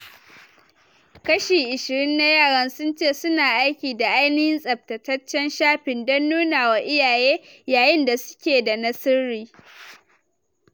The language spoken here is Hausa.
Kashi ishirin na yaran sun ce su na aiki da "ainihin" tsaftataccen shafin don nunawa iyaye, yayin da suke da na sirri.